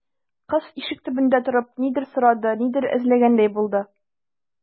Кыз, ишек төбендә торып, нидер сорады, нидер эзләгәндәй булды.